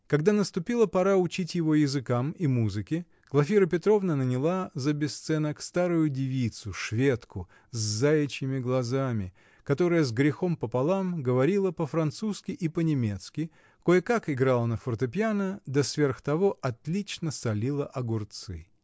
Когда наступила пора учить его языкам и музыке, Глафира Петровна наняла за бесценок старую девицу, шведку с заячьими глазами, которая с грехом пополам говорила по-французски и по-немецки, кое-как играла на фортепьяно да, сверх того, отлично солила огурцы.